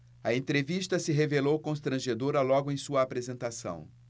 a entrevista se revelou constrangedora logo em sua apresentação